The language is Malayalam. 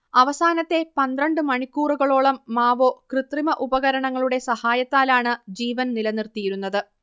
അവസാനത്തെ പന്ത്രണ്ട് മണിക്കൂറുകളോളം മാവോ കൃത്രിമ ഉപകരണങ്ങളുടെ സഹായത്താലാണ് ജീവൻ നിലനിർത്തിയിരുന്നത്